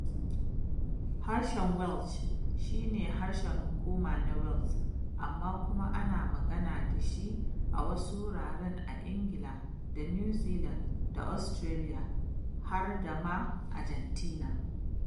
Harshen Welsh shi ne harshen hukuma na Wales, amma kuma ana magana da shi a wasu wuraren a Ingila da New Zealand da Australia har dama Argentina.